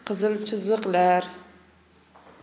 qizil chiziqlar